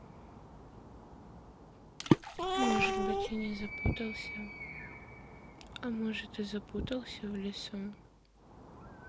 может быть я не запутался а может и запутался в лесу